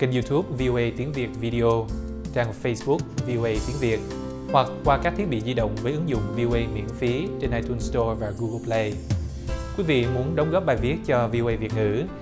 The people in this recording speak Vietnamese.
kênh diu túp vi ô ây tiếng việt vi đi ô trang phây búc vi ô ây tiếng việt hoặc qua các thiết bị di động với ứng dụng vi o ây miễn phí trên ai tun sờ to và gu gô pờ lây quý vị muốn đóng góp bài viết cho vi ô ây việt ngữ